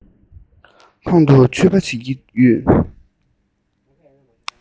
ཁོང དུ ཆུད པ བྱེད ཀྱི ཡོད